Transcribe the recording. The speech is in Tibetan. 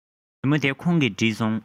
རི མོ འདི ཁོང གིས བྲིས སོང